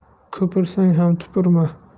ko'pirsang ham tupurma